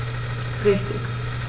Richtig